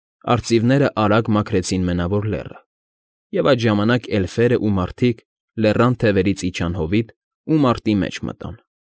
Արծիվներն արագ մաքրեցին Մենավոր Լեռը, և այդ ժամանակ էլֆերն ու մադրիկ լեռան թևերից իջան հովիտ ու մարտի մեջ մտան։